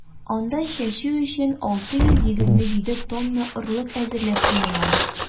Анда чәчү өчен 627 тонна орлык әзерләп куелган.